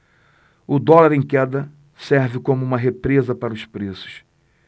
o dólar em queda serve como uma represa para os preços